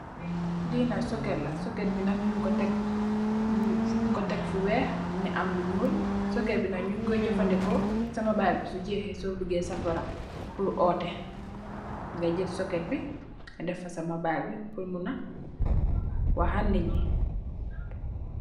Lii nak socket la, socket bii nak njung kor tek mu, njung kor tek fu wekh mungy am lu njull, socket bii nak njung kor jeufandihkor sa mobile bii su jekheh sor bugeh safarah pur orteh, nga jeul socket bii def fa sa mobile bii pur munah wakh ak nitt njee.